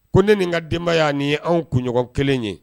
Ko ne nin ŋa denbaya nin ye anw kuɲɔgɔn 1 ye